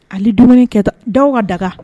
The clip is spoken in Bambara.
Ale dumuni kɛ da ka daga